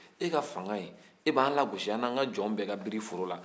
e ka fanga in e b'an lagosi an n'an ka jɔn bɛɛ ka biri fɔrɔ la